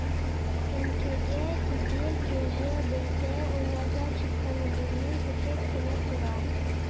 Теңкәгә тиде кәҗә бәтие, уйнарга чыкканыбызны көтеп кенә тора.